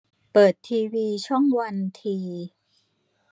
เปิดทีวีช่องวันที